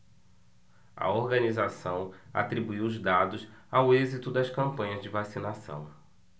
a organização atribuiu os dados ao êxito das campanhas de vacinação